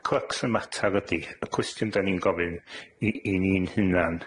y matar ydi, y cwestiwn 'dan ni'n gofyn i i ni'n hunan.